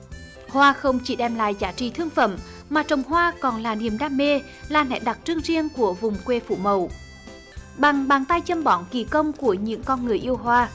hoa không chỉ đem lại giá trị thương phẩm mà trồng hoa còn là niềm đam mê là nét đặc trưng riêng của vùng quê phụ mẫu bằng bàn tay chăm bón kỳ công của những con người yêu hoa